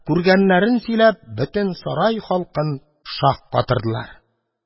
Күргәннәрен сөйләп, бөтен сарай халкын шаккатырдылар.